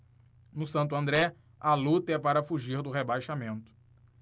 no santo andré a luta é para fugir do rebaixamento